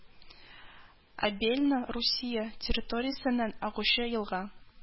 Обельна Русия территориясеннән агучы елга